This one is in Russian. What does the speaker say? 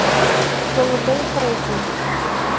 золотой фредди